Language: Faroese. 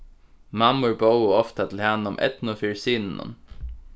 mammur bóðu ofta til hana um eydnu fyri synunum